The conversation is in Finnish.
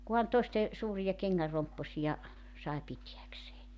kunhan toisten suuria kengän rompposia sai pitääkseen